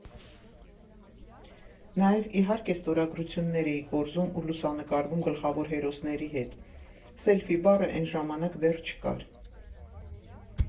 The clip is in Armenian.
Նաև, իհարկե, ստորագրություններ էի կորզում ու լուսանկարվում գլխավոր հերոսների հետ (սելֆի բառը էն ժամանակ դեռ չկար)։